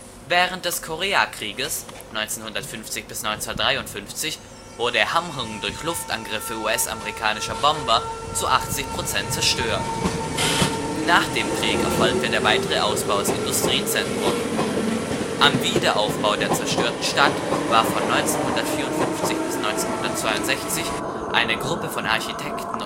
Während des Koreakrieges (1950 – 1953) wurde Hamhŭng durch Luftangriffe US-amerikanischer Bomber zu 80 Prozent zerstört. Nach dem Krieg erfolgte der weitere Ausbau als Industriezentrum. Am Wiederaufbau der zerstörten Stadt war von 1954 bis 1962 eine Gruppe von Architekten